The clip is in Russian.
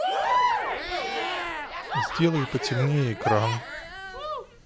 сделай потемнее экран